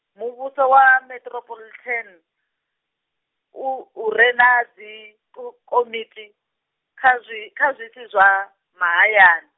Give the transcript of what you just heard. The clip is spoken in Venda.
muvhuso wa meṱirophoḽithen-, u u re na dzi k- komiti, kha zwi-, kha zwisi zwa, mahayani.